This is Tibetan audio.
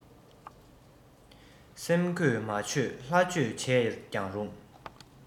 སེམས གོས མ ཆོད ལྷ ཆོས བྱས ཀྱང རུང